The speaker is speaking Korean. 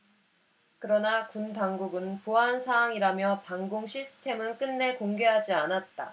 그러나 군 당국은 보안사항이라며 방공 시스템은 끝내 공개하지 않았다